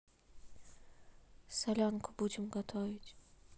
солянку будем готовить